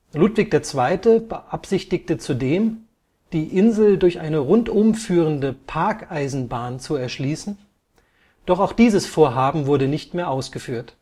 Ludwig II. beabsichtigte zudem, die Insel durch eine rundum führende Parkeisenbahn zu erschließen, doch auch dieses Vorhaben wurde nicht mehr ausgeführt